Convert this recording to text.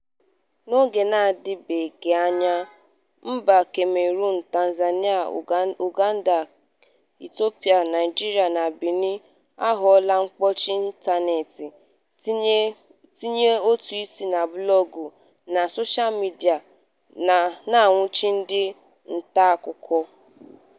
N'oge n'adịbeghị anya, mba Cameroon, Tanzania, Uganda, Ethiopia, Naịjirịa, na Benin a hụla mkpọchi ịntaneetị, ntinye ụtụisi na blọọgụ na iji soshal midịa, na nwụchi ndị ntaakụkọ.